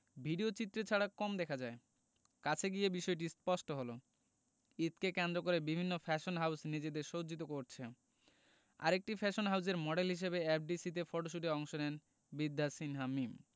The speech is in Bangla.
ভিডিওচিত্রে ছাড়া কম দেখা যায় কাছে গিয়ে বিষয়টি স্পষ্ট হলো ঈদকে কেন্দ্র করে বিভিন্ন ফ্যাশন হাউজ নিজেদের সজ্জিত করছে আর একটি ফ্যাশন হাউজের মডেল হিসেবে এফডিসি তে ফটোশ্যুটে অংশ নেন বিদ্যা সিনহা মীম